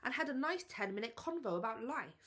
and had a nice ten minute convo about life.